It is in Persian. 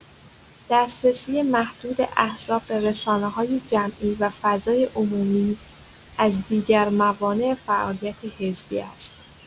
دسترسی محدود احزاب به رسانه‌های جمعی و فضای عمومی از دیگر موانع فعالیت حزبی است.